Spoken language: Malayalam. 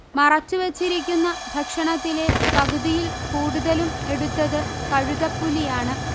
മറച്ചു വെച്ചിരിക്കുന്ന ഭക്ഷണത്തിലെ പകുതിയിൽ കൂടുതലും എടുത്തത് കഴുതപ്പുലിയാണ്